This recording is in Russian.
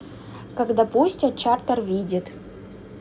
как допустят чартер видит